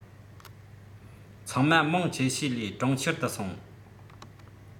ཚང མ མང ཆེ ཤས ལས གྲོང ཁྱེར དུ སོང